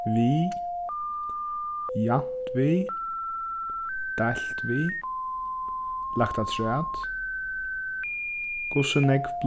við javnt við deilt við lagt afturat hvussu nógv